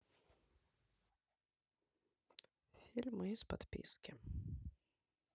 фильмы из подписки